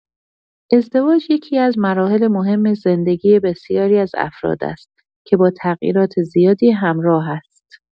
ازدواج یکی‌از مراحل مهم زندگی بسیاری از افراد است که با تغییرات زیادی همراه است.